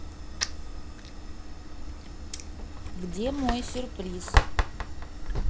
где мой сюрприз